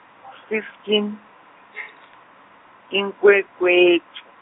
fifteen , iNkhwekhweti.